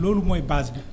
loolu mooy base bi